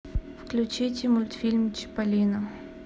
включите мультфильм чиполлино